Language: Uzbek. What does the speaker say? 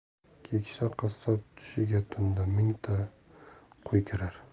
keksa qassob tushiga tunda mingta qo'y kirar